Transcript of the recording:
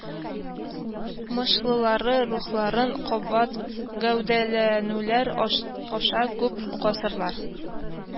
Мышлылары рухларын кабат гәүдәләнүләр аша күп гасырлар